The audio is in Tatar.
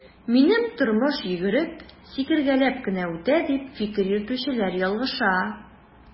Минем тормыш йөгереп, сикергәләп кенә үтә, дип фикер йөртүчеләр ялгыша.